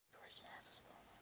to'y ginasiz bo'lmas